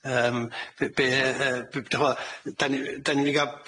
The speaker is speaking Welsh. Yym be' be' yy yy be' d'ch'mo' 'dan ni 'dan ni 'di ga'l